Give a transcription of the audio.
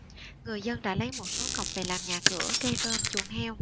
người dân đã lấy một số cọc về làm nhà cửa cây rơm chuồng heo